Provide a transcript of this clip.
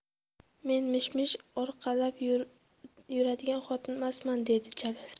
men mish mish orqalab yuradigan xotinmasman dedi jalil